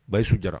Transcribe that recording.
Basi su jara